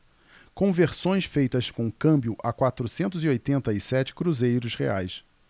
conversões feitas com câmbio a quatrocentos e oitenta e sete cruzeiros reais